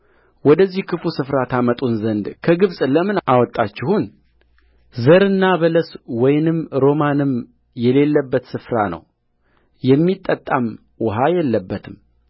ወደዚህ ክፉ ስፍራ ታመጡን ዘንድ ከግብፅ ለምን አወጣችሁን ዘርና በለስ ወይንም ሮማንም የሌለበት ስፍራ ነው የሚጠጣም ውኃ የለበትም